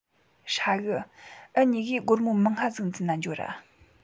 ཧྲ གི འུ གཉིས ཀས སྒོར མོ མང ང ཟིག འཛིན ན འགྱོ ར